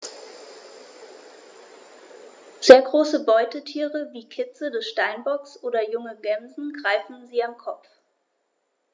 Sehr große Beutetiere wie Kitze des Steinbocks oder junge Gämsen greifen sie am Kopf.